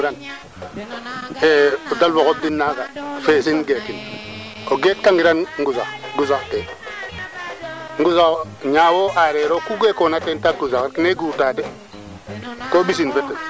axa kay probleme a refa kay ten refu ke leyoonga xatoor rek ande kam ley ong mee ndeɓanoong ke ndiiki o leya nga te kaaga kaaga jege probleme mbaa foore to a foora nga moɗka tino